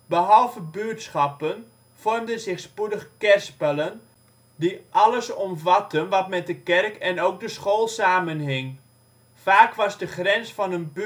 Behalve buurtschappen vormden zich spoedig kerspelen (R.K. gemeenten, kerkdorp, parochie), die alles omvatten wat met de kerk en ook de school samenhing. Vaak was de grens van een buurtschap